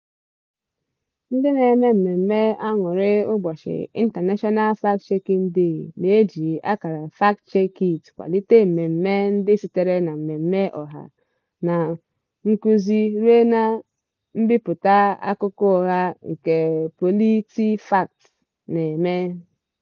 Ndị na-eme mmemme aṅurị ụbọchị International Fact-Checking Day na-eji akara #FactCheckIt kwalite mmemme ndị sitere na mmemme ọha na nkụzi ruo na mbipụta akụkọ ụgha nke PolitiFact na-eme.